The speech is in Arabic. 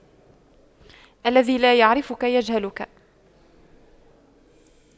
الذي لا يعرفك يجهلك